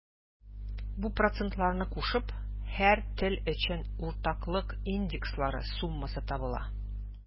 Бу процентларны кушып, һәр тел өчен уртаклык индекслары суммасы табыла.